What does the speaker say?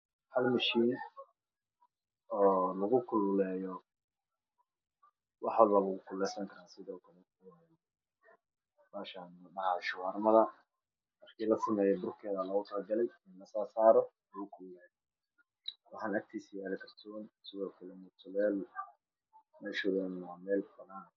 Hal mashiin oo lagu kululeeyo wax walbo waalagu kululesan karaa sidoo kale meshan shuwaarmada markii lasameeyo burkeedaa loogu tala galay in la sarsaaro in lagu kululeyo waxaa agtiisa yaalo kartoon meshana waa meel banaan